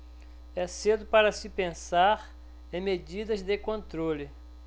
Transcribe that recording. é cedo para se pensar em medidas de controle